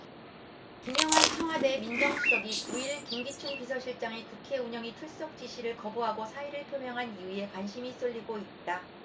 김영한 청와대 민정수석이 구 일 김기춘 비서실장의 국회 운영위 출석 지시를 거부하고 사의를 표명한 이유에 관심이 쏠리고 있다